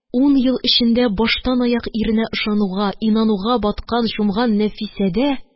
Ун ел эчендә баштанаяк иренә ышануга, инануга баткан, чумган нәфисәдә